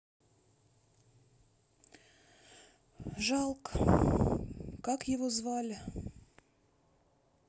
жалко как его звали